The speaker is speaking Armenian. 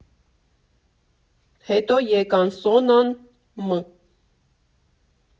Հետո եկան Սոնան, Մ.